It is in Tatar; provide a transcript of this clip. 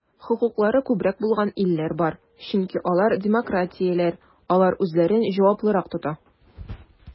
Хокуклары күбрәк булган илләр бар, чөнки алар демократияләр, алар үзләрен җаваплырак тота.